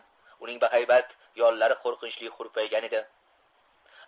uning bahaybat yollari qo'rqinchli hurpaygan edi